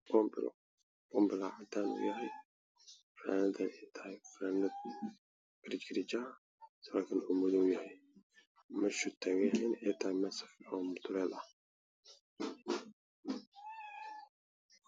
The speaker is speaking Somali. Halkaan waxaa ka muuqdo boombale cadaan ah waxaana u xiran fanaanad cadays iyo madaw iskugu jiro surwaal madaw ahna waa uu qabaa